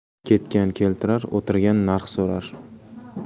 ketgan keltirar o'tirgan narx so'rar